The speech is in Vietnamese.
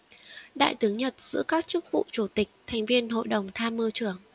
đại tướng nhật giữ các chức vụ chủ tịch thành viên hội đồng tham mưu trưởng